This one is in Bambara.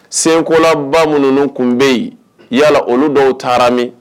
Senkolaba minnuunu tun bɛ yen yala olu dɔw taara min